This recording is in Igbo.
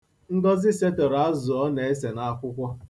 Ngọzị setọrọ azụ ọ na-ese n'akwụkwọ.